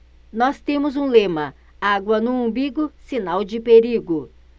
nós temos um lema água no umbigo sinal de perigo